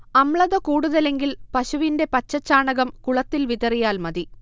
അമ്ലത കൂടുതലെങ്കിൽ പശുവിന്റെ പച്ചച്ചാണകം കുളത്തിൽ വിതറിയാൽമതി